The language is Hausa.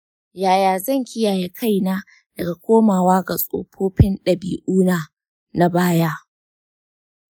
yaya zan kiyaye kaina daga komawa ga tsofaffin ɗabi'una na baya?